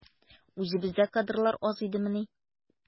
Үзебездә кадрлар аз идемени?